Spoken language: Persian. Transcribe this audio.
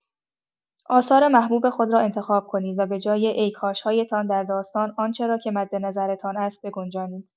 آثار محبوب خود را انتخاب کنید و به‌جای «ای کاش‌هایتان» در داستان، آنچه را که مد نظرتان است بگنجانید.